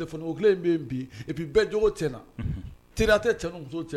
Tɛmuso cɛ